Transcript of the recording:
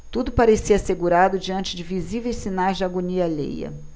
tudo parecia assegurado diante de visíveis sinais de agonia alheia